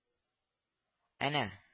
Әнә